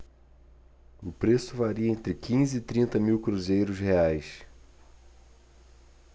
o preço varia entre quinze e trinta mil cruzeiros reais